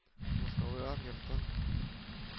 Кырмыскалар йортын